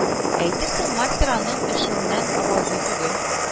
Әйтерсең мастер аның эшеннән разый түгел